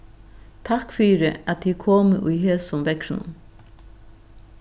takk fyri at tit komu í hesum veðrinum